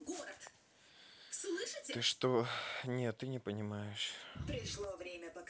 ты что не ты не понимаешь